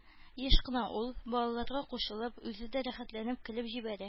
Еш кына ул, балаларга кушылып, үзе дә рәхәтләнеп көлеп җибәрә.